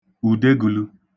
ùdegūlū